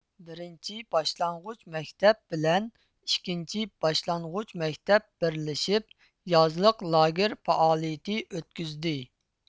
بىرىنچى باشلانغۇچ مەكتەپ بىلەن ئىككىنچى باشلانغۇچ مەكتەپ بىرلىشىپ يازلىق لاگېر پائالىيتى ئۆتكۈزدى